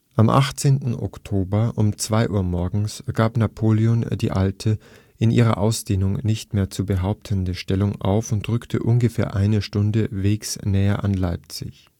Am 18. Oktober um 2 Uhr morgens gab Napoleon die alte, in ihrer Ausdehnung nicht mehr zu behauptende Stellung auf und rückte ungefähr eine Stunde Wegs näher an Leipzig